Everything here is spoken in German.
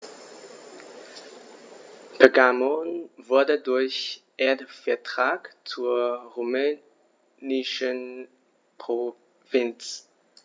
Pergamon wurde durch Erbvertrag zur römischen Provinz.